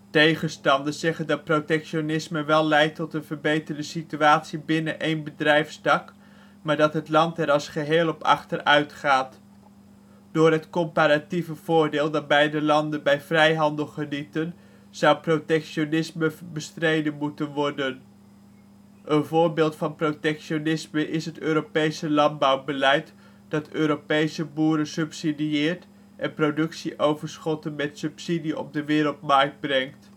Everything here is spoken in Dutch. Tegenstanders zeggen dat protectionisme wel leidt tot een verbeterde situatie binnen één bedrijfstak, maar dat het land er als geheel op achteruit gaat. Door het comparatieve voordeel dat beide landen bij vrijhandel genieten zou protectionisme bestreden moeten worden. Een voorbeeld van protectionisme is het Europese landbouwbeleid dat Europese boeren subsidieert en productieoverschotten met subsidie op de wereldmarkt brengt